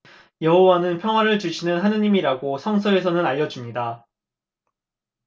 여호와는 평화를 주시는 하느님이라고 성서에서는 알려 줍니다